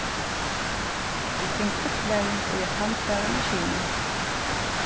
vit fingu upplæring í at handfara maskinur